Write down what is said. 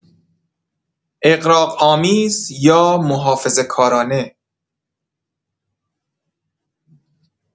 اغراق‌آمیز یا محافظه‌کارانه